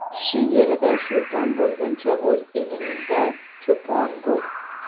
kishi yerida sulton bo'lguncha o'z elingda cho'pon bo'l